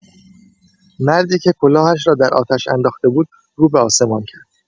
مردی که کلاهش را در آتش انداخته بود، رو به آسمان کرد.